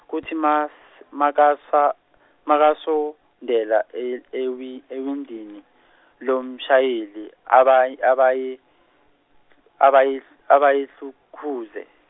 futhi mas-, makasa makasondela e- ewi- ewindini lomshayeli abey- abey- abaye- abayesikhuze.